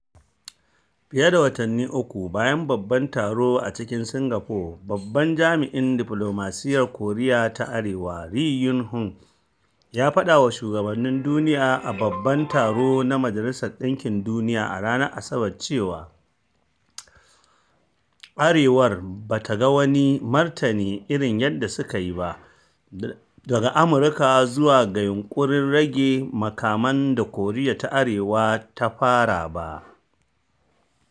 Fiye da watanni uku bayan babban taro a cikin Singapore, babban jami’in diflomasiyyar Koriya ta Arewa Ri Yong Ho ya faɗa wa shugabannin duniya a Babban Taro na Majalisar Ɗinkin Duniya a ranar Asabar cewa Arewar ba ta ga wani “martani irin yadda suka yi ba” daga Amurka zuwa ga yinƙurin rage makaman da Koriya ta Arewar ta fara ba.